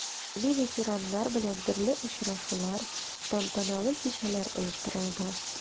Хәрби ветераннар белән төрле очрашулар, тантаналы кичәләр оештырылды.